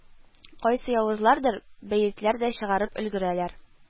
Кайсы явызларыдыр бәетләр дә чыгарып өлгерәләр